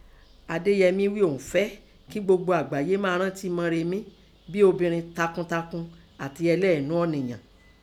Adéyemí ghí òun fẹ́ kní gbogbo àgbáyé máa rántí Mórẹ̀mí bín i obìrin takuntakun àti ẹlẹ́ẹ̀ẹ́nú ọ̀nìyàn.